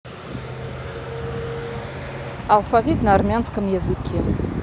алфавит на армянском языке